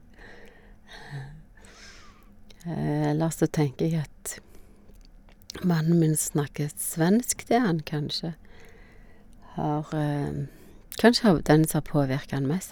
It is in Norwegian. Ellers så tenker jeg at mannen min snakker svensk til han, kanskje har kanskje hav den som har påvirka han mest.